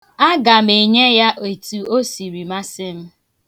A ga m enye ya etu o siri masi m.